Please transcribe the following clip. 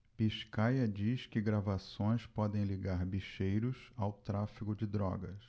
biscaia diz que gravações podem ligar bicheiros ao tráfico de drogas